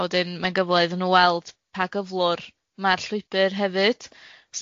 a wedyn mae'n gyfle iddyn nw weld pa gyflwr ma'r llwybyr hefyd,